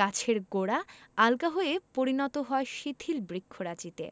গাছের গোড়া আলগা হয়ে পরিণত হয় শিথিল বৃক্ষরাজিতে